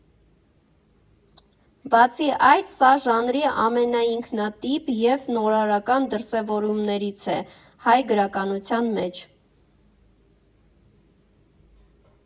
Բացի այդ, սա ժանրի ամենաինքնատիպ և նորարարական դրսևորումներից է հայ գրականության մեջ։